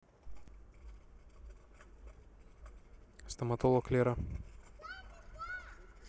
стоматолог лера